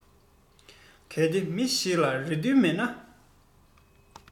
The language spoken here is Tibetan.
གལ ཏེ མི ཞིག ལ རེ འདུན མེད ན